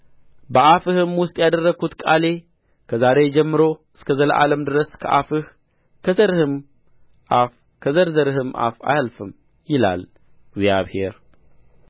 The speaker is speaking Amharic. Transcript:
በአፍህም ውስጥ ያደረግሁት ቃሌ ከዛሬ ጀምሮ እስከ ዘላለም ድረስ ከአፍህ ከዘርህም አፍ ከዘር ዘርህም አፍ አያልፍም ይላል እግዚአብሔር